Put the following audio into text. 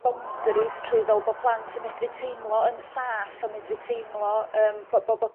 boundaries lly fel bo' plant yn medru teimlo yn saff a medru teimlo yym b- bo' bo'